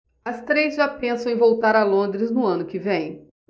as três já pensam em voltar a londres no ano que vem